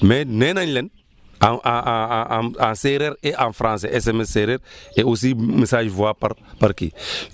mais nee nañ leen en en en en en en en séeréer et en français SMS séeréer et aussi message voix par par kii